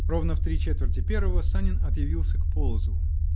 Ровно в три четверти первого Санин объявился к Полозову.